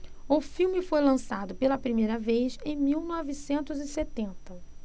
o filme foi lançado pela primeira vez em mil novecentos e setenta